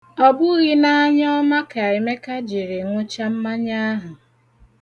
Ọ bụghị n'anyọọma ka Emeka jiri ṅụcha mmanya ahụ